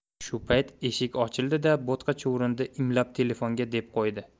shu payt eshik ochildi da bo'tqa chuvrindini imlab telefonga deb qo'ydi